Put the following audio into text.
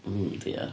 O diar.